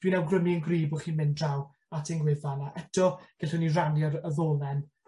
dwi'n awgrymu'n gryf bo' chi'n mynd draw at ein gwefan a eto gallwn ni rannu ar y ddolen